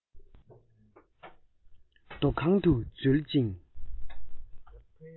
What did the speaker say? རྡོ ཁང དུ འཛུལ ཅིང